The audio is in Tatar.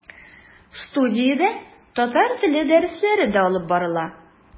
Студиядә татар теле дәресләре дә алып барыла.